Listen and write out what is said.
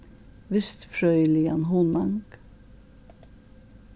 vistfrøðiligan hunang